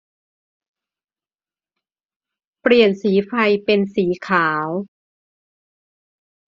เปลี่ยนสีไฟเป็นสีขาว